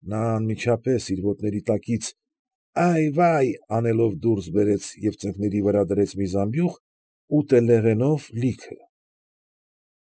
Նա անմիջապես իր ոտների տակից «այ֊վայ» անելով դուրս բերեց և ծնկների վրա դրեց մի զամբյուղ՝ ուտելեղենով լիքը։